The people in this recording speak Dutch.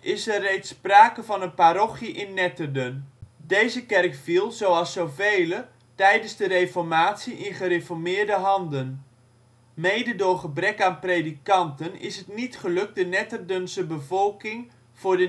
is er reeds sprake van een parochie in Netterden. Deze kerk viel zoals zo vele tijdens de reformatie in gereformeerde handen. Mede door gebrek aan predikanten is het niet gelukt de Netterdense bevolking voor